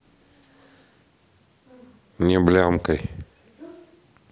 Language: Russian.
не блямкай